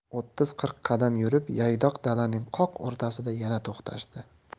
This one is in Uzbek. o'ttiz qirq qadam yurib yaydoq dalaning qoq o'rtasida yana to'xtashdi